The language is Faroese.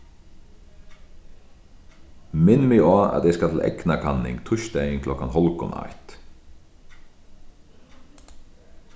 minn meg á at eg skal til eygnakanning týsdagin klokkan hálvgum eitt